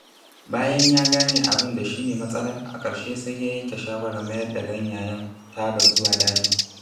Bayan ya gane abin da shi ne matsalar, a ƙarshe sai ya yanke shawarar mayar da ganyayen tabar zuwa dajin.